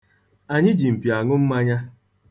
Anyị ji mpi aṅụ mmanya.